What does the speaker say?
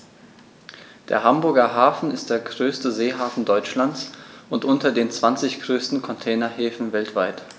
Der Hamburger Hafen ist der größte Seehafen Deutschlands und unter den zwanzig größten Containerhäfen weltweit.